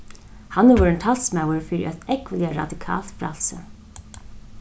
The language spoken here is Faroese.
hann er vorðin talsmaður fyri eitt ógvuliga radikalt frælsi